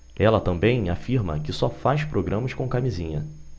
ela também afirma que só faz programas com camisinha